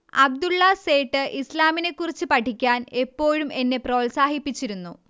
അബ്ദുള്ള സേഠ് ഇസ്ലാമിനേക്കുറിച്ച് പഠിക്കാൻ എപ്പോഴും എന്നെ പ്രോത്സാഹിപ്പിച്ചിരുന്നു